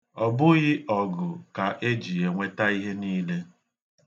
Ọ bụghị ọgụ ka e ji enweta ihe niile.